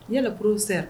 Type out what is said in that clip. N yalalakorow sera